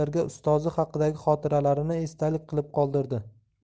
avlodlarga ustozi haqidagi xotiralarini esdalik qilib qoldirdi